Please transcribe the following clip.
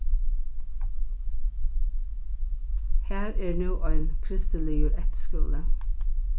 har er nú ein kristiligur eftirskúli